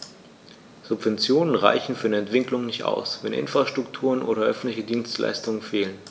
Subventionen reichen für eine Entwicklung nicht aus, wenn Infrastrukturen oder öffentliche Dienstleistungen fehlen.